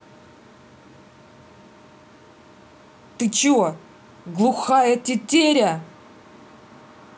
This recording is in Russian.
ты че глухая тетеря